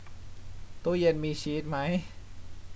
ตู้เย็็นมีชีสไหม